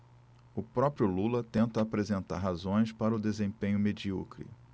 o próprio lula tenta apresentar razões para o desempenho medíocre